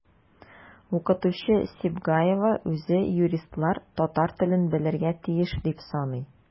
Укытучы Сибгаева үзе юристлар татар телен белергә тиеш дип саный.